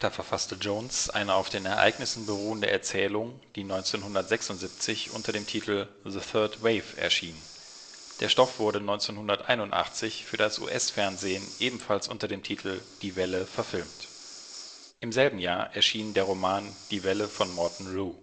verfasste Jones eine auf den Ereignissen beruhende Erzählung, die 1976 unter dem Titel The Third Wave erschien. Der Stoff wurde 1981 für das US-Fernsehen ebenfalls unter dem Titel Die Welle verfilmt. Im selben Jahr erschien der Roman Die Welle von Morton Rhue